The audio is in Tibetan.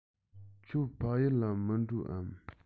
ཁྱོད ཕ ཡུལ ལ མི འགྲོ འམ